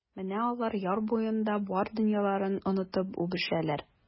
Менә алар яр буенда бар дөньяларын онытып үбешәләр.